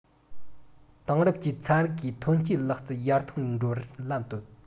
དེང རབས ཀྱི ཚན རིག གིས ཐོན སྐྱེད ལག རྩལ ཡར ཐོན འགྲོ བར ལམ གཏོད